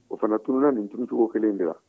o fana tununna nin tununcogo kelen de la